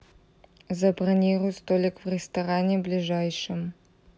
забронируй столик в ресторане ближайшем